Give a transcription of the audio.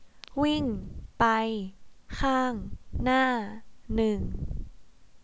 วิ่งไปข้างหน้าหนึ่ง